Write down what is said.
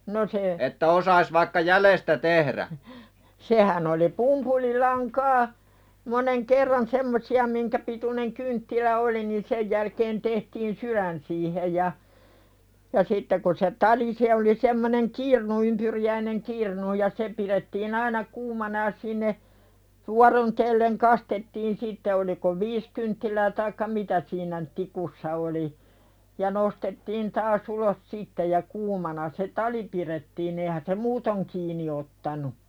no se sehän oli pumpulilankaa monen kerran semmoisia minkä pituinen kynttilä oli niin sen jälkeen tehtiin sydän siihen ja ja sitten kun se tali se oli semmoinen kirnu ympyriäinen kirnu ja se pidettiin aina kuumana ja sinne - vuorotellen kastettiin sitten oliko viisi kynttilää taikka mitä siinä - tikussa oli ja nostettiin taas ulos sitten ja kuumana se tali pidettiin eihän se muuten kiinni ottanut